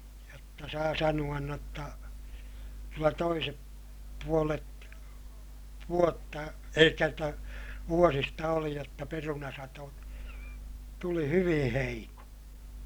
jotta saa sanoa - jotta kyllä toiset puolet vuotta eli jotta vuosista oli jotta perunasato tuli hyvin heikko